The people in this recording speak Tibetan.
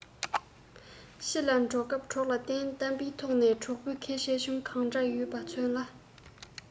ཕྱི ལ སྐྱོད སྐབས གྲོགས ལ བརྟེན གཏམ དཔེའི ཐོག ནས གྲོགས པོའི གལ ཆེ ཆུང གང འདྲ ཡོད པ མཚོན ལ